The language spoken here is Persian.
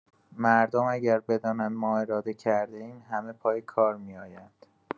مردم اگر بدانند ما اراده کرده‌ایم همه پای کار می‌آیند.